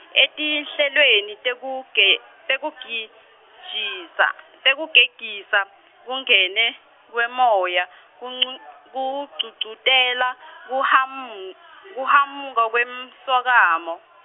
etinhlelweni tekuge- tekugi- -gisa, tekugegisa, kungena, kwemoya, kuncu- kugcugcutela kuham- kuhamuka kwemswakama.